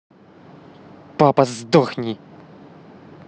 папа сдохни